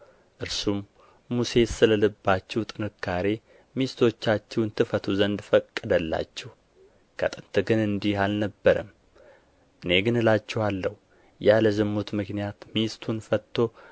እርሱም ሙሴስ ስለ ልባችሁ ጥንካሬ ሚስቶቻችሁን ትፈቱ ዘንድ ፈቀደላችሁ ከጥንት ግን እንዲህ አልነበረም እኔ ግን እላችኋለሁ ያለ ዝሙት ምክንያት ሚስቱን ፈትቶ